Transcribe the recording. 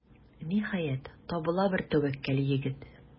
Ниһаять, табыла бер тәвәккәл егет.